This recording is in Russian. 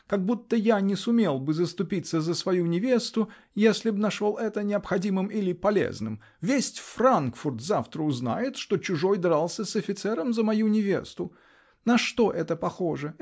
как будто я не сумел бы заступиться за свою невесту, если б нашел это необходимым или полезным! Весь Франкфурт завтра узнает, что чужой дрался с офицером за мою невесту, -- на что это похоже?